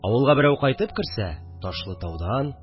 Авылга берәү кайтып керсә – Ташлытаудан